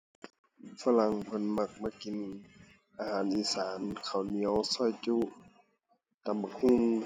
ฝรั่งเพิ่นมักมากินอาหารอีสาน ข้าวเหนียว ซอยจุ๊ ตำบักหุ่ง